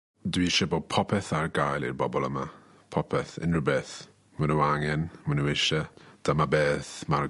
Dwi isie bod popeth ar gael i'r bobol yma popeth unryw beth ma' n'w angen ma' n'w isie dyma beth ma'r...